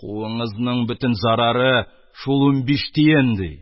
Кууыңызның бөтен зарары — шул унбиш тиен! — ди.